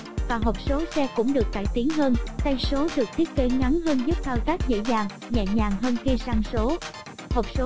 và hộp số xe cũng được cải tiến hơn tay số được thiết kế ngắn hơn giúp thao tác dễ dàng nhẹ nhàng hơn khi sang số